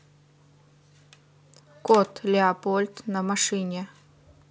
кот леопольд на машине